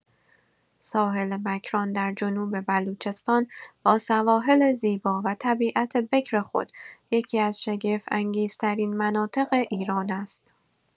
ساحل مکران در جنوب بلوچستان با سواحل زیبا و طبیعت بکر خود، یکی‌از شگفت‌انگیزترین مناطق ایران است.